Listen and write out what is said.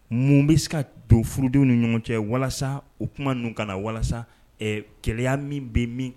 Mun bɛ se ka don furudenw ni ɲɔgɔn cɛ walasa o tuma kana na walasa gɛlɛyaya min bɛ min